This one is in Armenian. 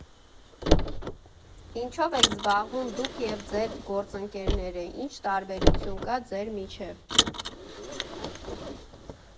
Ինչո՞վ եք զբաղվում դուք և ձեր գործընկերները, ի՞նչ տարբերություն կա ձեր միջև։